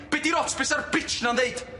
Be' 'di'r ots be' sa'r bitch na'n ddeud?